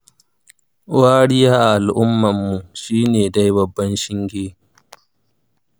wariya a al'umman mu shine dai babban shinge.